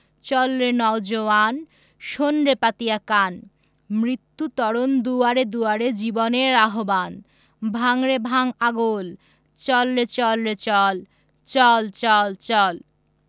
চল রে নও জোয়ান শোন রে পাতিয়া কান মৃত্যু তরণ দুয়ারে দুয়ারে জীবনের আহবান ভাঙ রে ভাঙ আগল চল রে চল রে চল চল চল চল